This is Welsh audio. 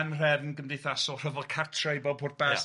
Anhrefn gymdeithasol, Rhyfel cartra i bob pwrpas... Ia.